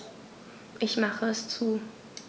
Ich mache es zu.